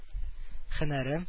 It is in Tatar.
Һөнәрем